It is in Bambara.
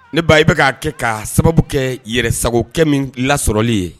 Ne ba i bɛ k'a kɛ k'a sababu kɛ yɛrɛsagokɛ min lasɔrɔli ye